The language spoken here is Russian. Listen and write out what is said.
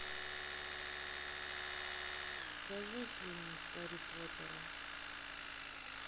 покажи фильмы с гарри поттером